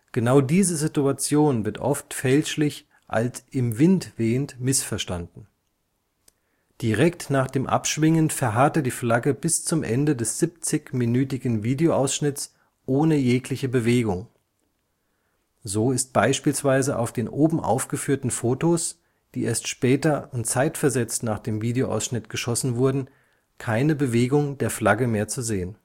Genau diese Situation wird oft fälschlich als im Wind wehend missverstanden. Direkt nach dem Abschwingen verharrte die Flagge bis zum Ende des 70-minütigen Videoausschnitts ohne jegliche Bewegung, so ist beispielsweise auf den oben aufgeführten Fotos, die erst später und zeitversetzt nach dem Videoausschnitt geschossen wurden, keine Bewegung der Flagge mehr zu sehen